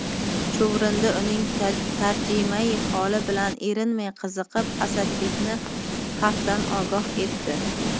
chuvrindi uning tarjimai holi bilan erinmay qiziqib asadbekni xavfdan ogoh etdi